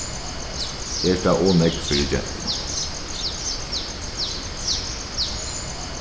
er tað ov nógv fyri gentuna